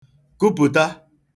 kupụ̀ta